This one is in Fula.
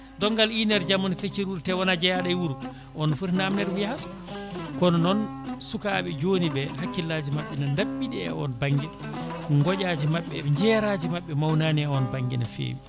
donggal 1 heure jamma ne feccita wuuro te wona jeeyaɗo e wuuro on ne footi namdede ko yahata kono noon sukaɓe joni ɓe hakkillaji mabɓe ne dabɓiɗi e on banggue goƴaji mabɓe e jeeraji mabɓe mawnani e on banggue no fewi